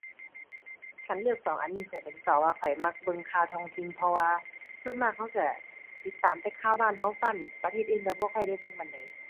คันเลือกสองอันนี้ข้อยก็สิตอบว่าข้อยมักเบิ่งข่าวท้องถิ่น เพราะว่าส่วนมากก็ก็ติดตามแต่ข่าวบ้านก็ ประเทศอื่นก็บ่ค่อยได้เบิ่งปานใด